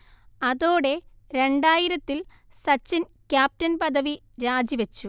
അതോടെ രണ്ടായിരത്തിൽ സച്ചിൻ ക്യാപ്റ്റൻ പദവി രാജിവച്ചു